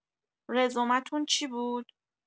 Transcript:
رزومتون چی بود؟